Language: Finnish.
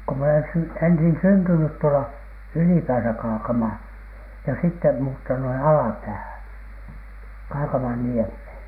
kun minä olen - ensin syntynyt tuolla ylipäässä Kaakamaa ja sitten muuttanut alapäähän Kaakamanniemeen